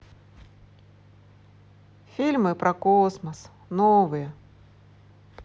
фильмы про космос новые